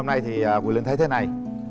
nay thì quyền linh thấy thế này